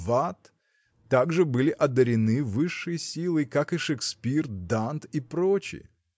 Ватт так же были одарены высшей силой как и Шекспир Дант и прочие.